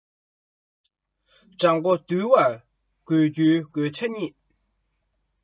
དགྲ མགོ འདུལ བར དགོས རྒྱུའི དགོས ཆ གཉིས